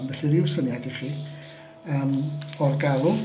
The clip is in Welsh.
Felly ryw syniad i chi yym o'r galw